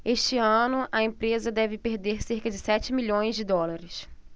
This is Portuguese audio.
este ano a empresa deve perder cerca de sete milhões de dólares